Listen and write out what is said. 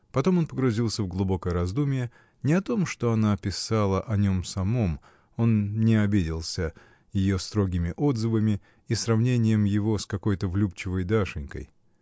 Потом он погрузился в глубокое раздумье, не о том, что она писала о нем самом: он не обиделся ее строгими отзывами и сравнением его с какой-то влюбчивой Дашенькой.